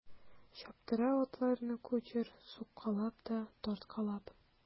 Чаптыра атларны кучер суккалап та тарткалап.